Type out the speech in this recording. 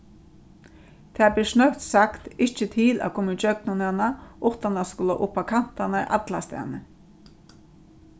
tað ber snøgt sagt ikki til at koma ígjøgnum hana uttan at skula upp á kantarnar allastaðni